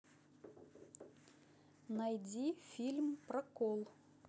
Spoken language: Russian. найди фильм прокол